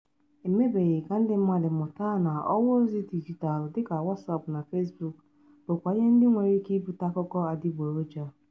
Emebeghị ka ndị mmadụ mụta na ọwa ozi dijitalụ dị ka Wọsọpụ na Fezbuk bụkwa ihe ndị nwere ike ibute akụkọ adịgboroja.